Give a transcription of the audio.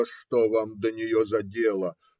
Да что вам до нее за дело?